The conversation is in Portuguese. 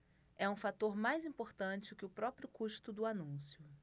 é um fator mais importante que o próprio custo do anúncio